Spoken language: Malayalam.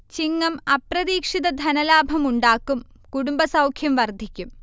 ചിങ്ങം അപ്രതീക്ഷിത ധനലാഭം ഉണ്ടാക്കും കുടുംബസൗഖ്യം വർധിക്കും